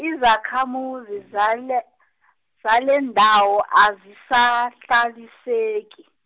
izakhamuzi zale-, zalendawo azisahlaliseki.